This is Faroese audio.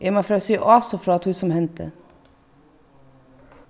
eg má fara at siga ásu frá tí sum hendi